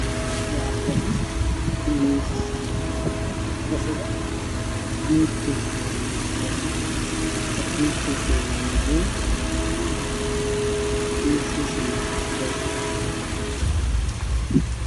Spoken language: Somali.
Waxaa ii muuqda qol uu yaalo fadhi iyo kuraas midabbadoodu yihiin madow darbiga waa madow